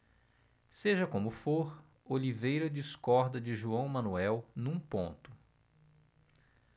seja como for oliveira discorda de joão manuel num ponto